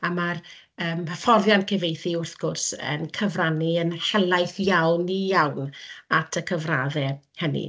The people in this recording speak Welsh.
a ma'r yym hyfforddiant cyfieithu wrth gwrs yn cyfrannu yn helaeth iawn iawn at y cyfraddau hynny.